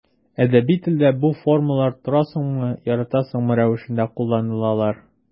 Әдәби телдә бу формалар торасыңмы, яратасыңмы рәвешендә кулланылалар.